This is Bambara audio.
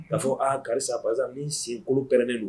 Ka fɔ aa karisa par exemple min senkolo pɛrɛnnen don.